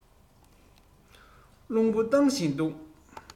རླུང བུ ལྡང བཞིན འདུག